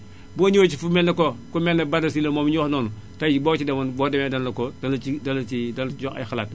boo ñëwee si fu mel ne que ku mel ne Bada Sylla moomu ñuy wax noonu tay boo ci demoon boo demee dañ la ko da la ciy da la ciy jox ay xalaat